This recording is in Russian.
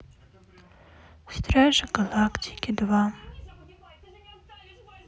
стражи галактики два